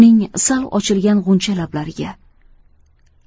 uning sal ochilgan g'uncha lablariga